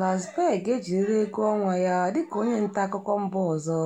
Ravsberg ejirila ego ọnwa ya dịka onye ntaakụkọ mba ọzọ